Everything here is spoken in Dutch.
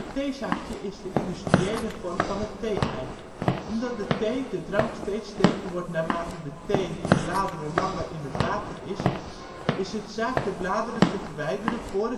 theezakje is de industriële vorm van het thee-ei. Omdat de thee (de drank) steeds sterker wordt naar mate de thee (de bladeren) langer in het water is, is het zaak de bladeren te verwijderen voor